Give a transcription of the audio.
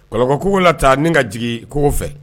ni ka jigin kogo fɛ.